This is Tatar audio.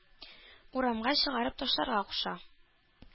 Урамга чыгарып ташларга куша.